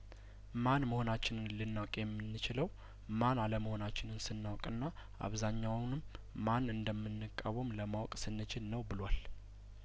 ማን መሆናችንን ልናውቅ የምንችለው ማን አለመሆናችንን ስናውቅና አብዛኛውንም ማን እንደምንቃወም ለማወቅ ስንችል ነው ብሏል